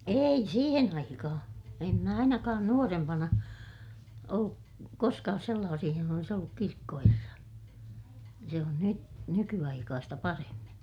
ei siihen aikaan en minä ainakaan nuorempana ollut koskaan sellaisissa jossa olisi ollut kirkkoherra se on - nykyaikaista paremmin